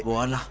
voilà